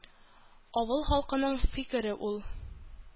Авыл халкының фикере ул.